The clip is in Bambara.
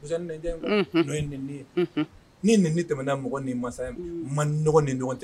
Mu ni dɔ ye ninden ni nin tɛm bɛɛna mɔgɔ ni masa man ni ɲɔgɔn tɛ